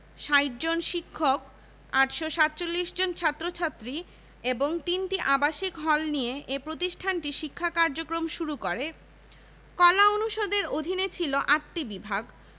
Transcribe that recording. ৩টি অনুষদের ৮৭৭ জন শিক্ষার্থীর মধ্যে ৩৮৬ জন ঢাকা শহীদুল্লাহ হলে ৩১৩ জন জগন্নাথ হলে এবং ১৭৮ জন সলিমুল্লাহ মুসলিম হলের আবাসিক